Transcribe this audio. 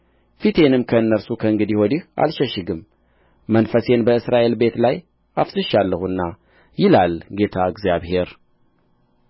ፊቴንም ከእነርሱ ከእንግዲህ ወዲህ አልሸሽግም መንፈሴን በእስራኤል ቤት ላይ አፍስሻለሁና ይላል ጌታ እግዚአብሔር